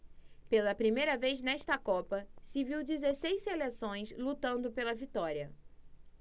pela primeira vez nesta copa se viu dezesseis seleções lutando pela vitória